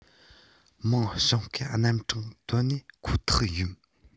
མིང བྱང བཀལ རྣམ གྲངས བཏོན ནས ཁོ ཐག ཡིན